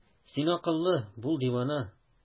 Син акыллы, бул дивана!